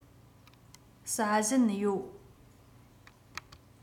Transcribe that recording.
ཟ བཞིན ཡོད